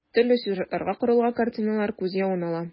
Төрле сюжетларга корылган картиналар күз явын ала.